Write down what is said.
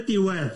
Y diwedd!